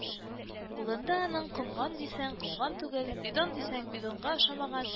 Кулында аның, комган дисәң, комган түгел, бидон дисәң, бидонга охшамаган